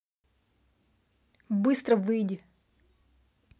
быстро выйди